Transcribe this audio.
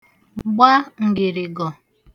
gba ǹgị̀rị̀gọ̀